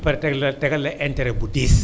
pare tagal la tegal la interet bu diis